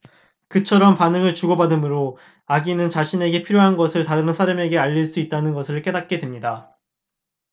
그처럼 반응을 주고받음으로 아기는 자신에게 필요한 것을 다른 사람들에게 알릴 수 있다는 것을 깨닫게 됩니다